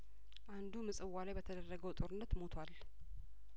አንዱምጽዋ ላይበተደረገው ጦርነት ሞቷል